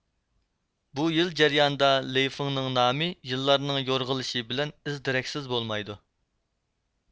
بۇ يىل جەريانىدا لېي فېڭنىڭ نامى يىللارنىڭ يورغىلىشى بىلەن ئىز دېرەكسىز بولمايدۇ